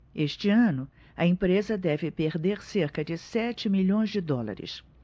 este ano a empresa deve perder cerca de sete milhões de dólares